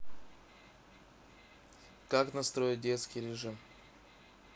как настроить детский режим